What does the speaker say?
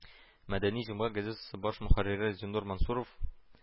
“мәдәни җомга” газетасы баш мөхәррире зиннур мансуров